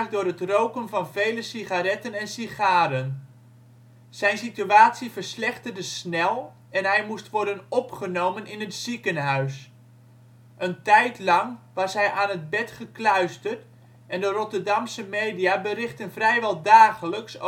door het roken van vele sigaretten en sigaren. Zijn situatie verslechterde snel en hij moest worden opgenomen in het ziekenhuis. Een tijd lang was hij aan het bed gekluisterd en de Rotterdamse media berichtten vrijwel dagelijks